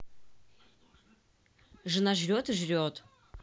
жена жрет и жрет